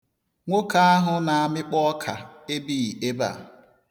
Nwoke ahụ na-amịkpọ ọka ebighi ebe a.